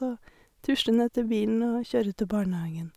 Og tusler ned til bilen og kjører til barnehagen.